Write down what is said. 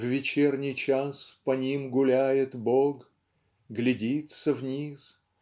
В вечерний час по ним гуляет Бог, Глядится вниз,